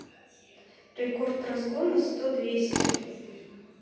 рекорд разгона сто двести